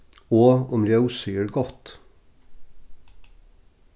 og um ljósið er gott